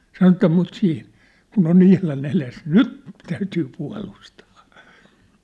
sanoi että mutta siinä kun on ihan edessä nyt täytyy puolustaa